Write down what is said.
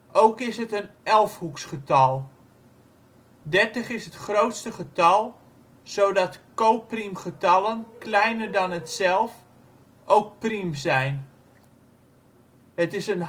Ook is het een elfhoeksgetal. 30 is het grootste getal zodat copriemgetallen kleiner dan hetzelf ook priem zijn. Het is een Harshadgetal